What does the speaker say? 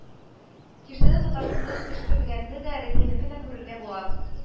Киштәдә Татарстанда җитештерелгәнне дә, Рәсәйнекен дә күрергә була